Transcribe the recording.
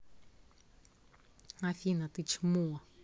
афина ты чмо